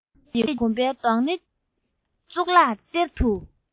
ཁྱོད ཀྱི གོམ པའི རྡོག སྣེ གཙུག ལག གཏེར དུ